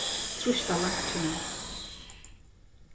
trýst á leinkjuna